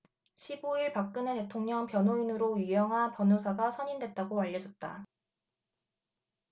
십 오 일 박근혜 대통령 변호인으로 유영하 변호사가 선임됐다고 알려졌다